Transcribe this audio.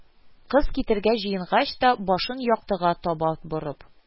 Кыз китәргә җыенгач та, башын яктыга таба борып: